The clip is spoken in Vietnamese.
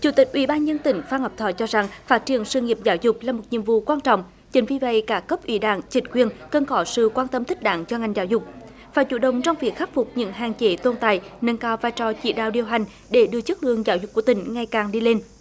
chủ tịch ủy ban nhân dân tỉnh phan ngọc thọ cho rằng phát triển sự nghiệp giáo dục là một nhiệm vụ quan trọng chính vì vậy cả cấp ủy đảng chính quyền cần có sự quan tâm thích đáng cho ngành giáo dục và chủ động trong việc khắc phục những hạn chế tồn tại nâng cao vai trò chỉ đạo điều hành để đưa chất lượng giáo dục của tỉnh ngày càng đi lên